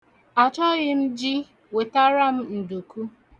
Achọghị m ji, wetara m nduku.